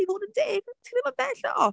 I fod yn deg ti ddim yn bell off.